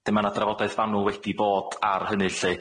'Dyn ma' 'na drafodaeth fanwl wedi bod ar hynny lly.